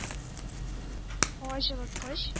Һаваҗылыткыч